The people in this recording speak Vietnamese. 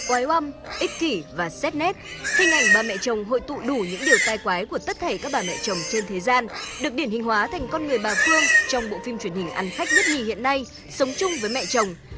oái oăm ích kỷ và xét nét hình ảnh bà mẹ chồng hội tụ đủ những điều tai quái của tất thảy các bà mẹ chồng trên thế gian được điển hình hóa thành con người bà phương trong bộ phim truyền hình ăn khách nhất nhì hiện nay sống chung với mẹ chồng